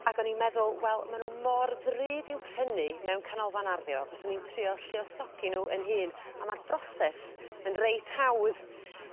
Ag o'n i'n meddwl wel ma' n'w mor ddrud i'w prynu mewn canolfan arddio fyswn i'n trio lluosogi nhw 'yn hun a ma'r broses yn reit hawdd.